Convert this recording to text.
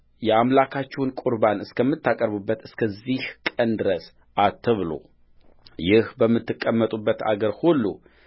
የአምላካችሁን ቍርባን እስከምታቀርቡበት እስከዚህ ቀን ድረስ አትብሉ ይህ በምትቀመጡበት አገር ሁሉ